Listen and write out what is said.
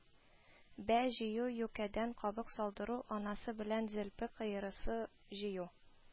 Бә җыю; юкәдән кабык салдыру, анасы белән зелпе каерысы җыю,